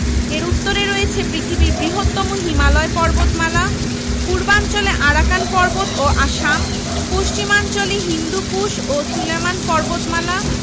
এর উত্তরে রয়েছে পৃথিবীর বৃহত্তম হিমালয় পর্বতমালা পূর্বাঞ্চলে আরাকান পর্বত ও আসামপশ্চিমাঞ্চলে হিন্দুকুশ ও সুলেমান পর্বতমালা